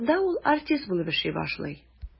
Монда ул артист булып эшли башлый.